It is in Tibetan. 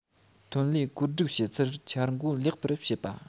ཐོན ལས བཀོད སྒྲིག བྱེད ཚུལ འཆར འགོད ལེགས པར བྱེད པ